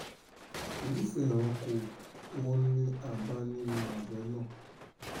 "Irúfẹ́ ẹranko wo ni a bá nínú àlọ́ náà?",